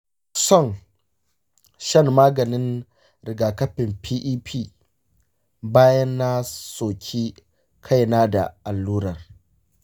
ina son shan maganin rigakafin pep bayan na soki kaina da allura.